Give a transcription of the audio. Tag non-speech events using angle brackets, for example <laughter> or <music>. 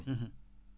<hesitation> <hesitation>